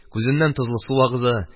Күзеннән тозлы су агыза.